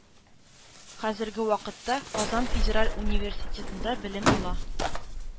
Хәзерге вакытта казан федераль университетында белем ала.